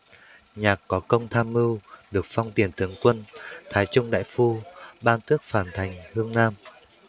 nhạc có công tham mưu được phong tiền tướng quân thái trung đại phu ban tước phàn thành hương nam